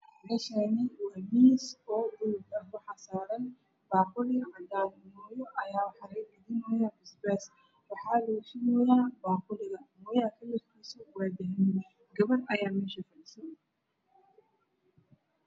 Meeshaani waa miis buluug ah waxaa saaran baaquli cadaan ah. Mooya ayaa waxaa laga gadina hayaa basbaas waxaa lugu shubahayaa baaquliga. Mooyaha kalarkiisu waa dahabi. Gabar ayaa meesha fadhiso.